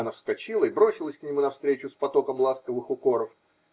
Она вскочила и бросилась к нему навстречу с потоком ласковых укоров.